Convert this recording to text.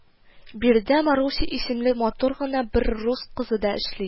Биредә Маруся исемле матур гына бер рус кызы да эшли